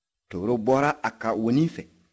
toro bɔra a ka wonin fɛ